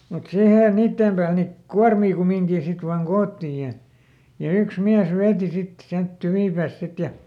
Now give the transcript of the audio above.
mutta siihen niiden päälle niin kuormia kumminkin sitten vain koottiin ja ja yksi mies veti sitten sieltä tyvipäästä sitten ja